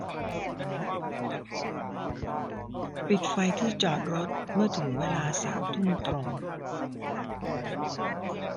ปิดไฟที่จอดรถเมื่อถึงเวลาสามทุ่มตรง